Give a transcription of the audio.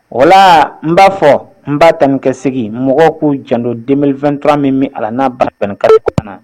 Wala n b'a fɔ n b'a tɛmɛ kɛse mɔgɔ k'u jandonden2tura min bɛ a n'a baka kɔnɔ